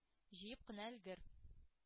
Җыеп кына өлгер.